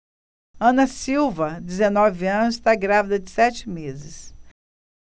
ana silva dezenove anos está grávida de sete meses